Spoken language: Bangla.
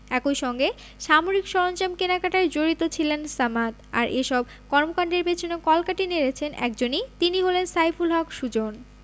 একই সঙ্গে সামরিক সরঞ্জাম কেনাকাটায় জড়িত ছিলেন সামাদ আর এসব কর্মকাণ্ডের পেছনে কলকাঠি নেড়েছেন একজনই তিনি হলেন সাইফুল হক সুজন